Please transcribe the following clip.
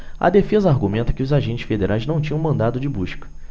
a defesa argumenta que os agentes federais não tinham mandado de busca